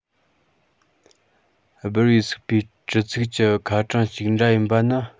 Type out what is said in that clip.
སྦུར པའི སུག པའི གྲུ ཚིགས ཀྱི ཁ གྲངས གཅིག འདྲ ཡིན པ ནི